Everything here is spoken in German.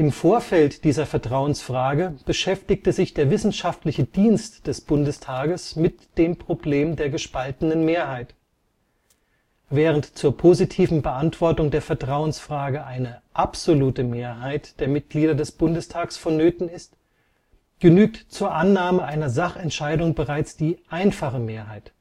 Vorfeld dieser Vertrauensfrage beschäftigte sich der Wissenschaftliche Dienst des Bundestages mit dem Problem der gespaltenen Mehrheit: Während zur positiven Beantwortung der Vertrauensfrage eine absolute Mehrheit der Mitglieder des Bundestages vonnöten ist, genügt zur Annahme einer Sachentscheidung bereits die einfache Mehrheit